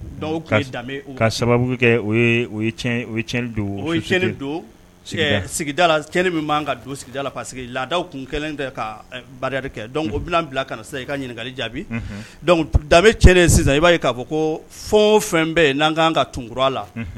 Dɔnku da ka sababu kɛ do o don sigida min'an ka don sigida la pa parce queseke laadadaw tun kɛlen tɛ ka barika kɛ o bila ka na sa i ka ɲininkakali jaabi dabe cɛ sisan i b'a k'a fɔ ko fɔ fɛn bɛɛ ye n'an ka kan ka tunkarakura la